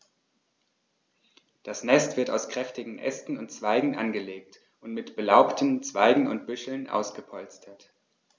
Das Nest wird aus kräftigen Ästen und Zweigen angelegt und mit belaubten Zweigen und Büscheln ausgepolstert.